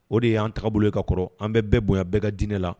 O de y'an taabolo ye ka kɔrɔ, an bɛɛ bonya bɛɛ ka dinɛ la.